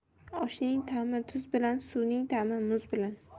oshning ta'mi tuz bilan suvning t'a'mi muz bilan